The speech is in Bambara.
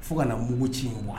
Fo ka na mugug ci in wa